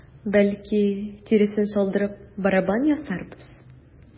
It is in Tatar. Бәлки, тиресен салдырып, барабан ясарбыз?